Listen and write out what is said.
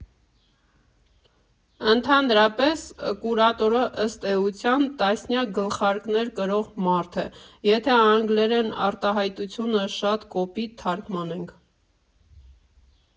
Ընդհանրապես, կուրատորը, ըստ էության, տասնյակ գլխարկներ կրող մարդ է, եթե անգլերեն արտահայտությունը շատ կոպիտ թարգմանենք։